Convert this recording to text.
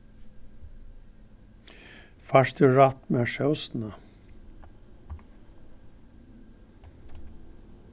fært tú rætt mær sósina